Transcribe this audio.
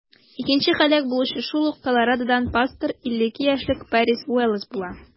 Икенче һәлак булучы шул ук Колорадодан пастор - 52 яшьлек Пэрис Уоллэс була.